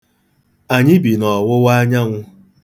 Anyị bi n'ọwụwaanyanwụ.